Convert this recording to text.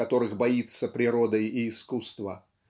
которых боится природа и искусство